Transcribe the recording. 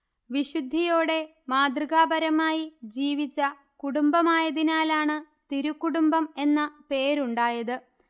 വിശുദ്ധിയോടെ മാതൃകാപരമായി ജീവിച്ച കുടുംബമായതിനാലാണ് തിരുക്കുടുംബം എന്ന പേരുണ്ടായത്